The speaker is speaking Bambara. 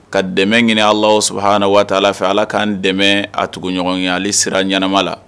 Ka dɛmɛ ɲini ahaana waati fɛ ala k'an dɛmɛ a tuguɲɔgɔn ale sera ɲanama la